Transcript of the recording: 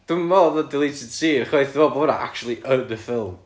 dwi'm yn meddwl o'dd o'n deleted scene chwaith dwi'n meddwl bod hwnna actually yn y ffilm.